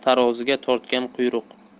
taroziga tortgan quyruq